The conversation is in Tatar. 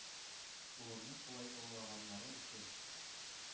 Улымны шулай олылаганнары өчен...